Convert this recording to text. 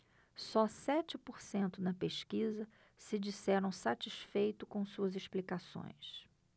só sete por cento na pesquisa se disseram satisfeitos com suas explicações